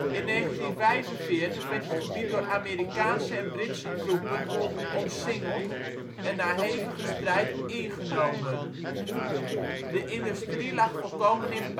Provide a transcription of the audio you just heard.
In 1945 werd het gebied door Amerikaanse en Britse troepen omsingeld en na hevige strijd ingenomen. De industrie lag volkomen in